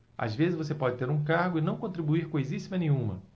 às vezes você pode ter um cargo e não contribuir coisíssima nenhuma